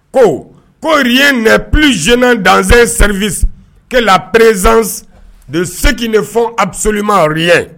Ko ko rien n'est plus gênant dans un service que la présence ceux qui ne font absolument rien